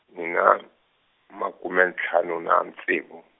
ni na makume ntlhanu na ntsevu.